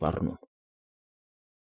Սպառնում։